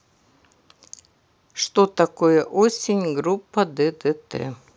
что такое осень группа ддт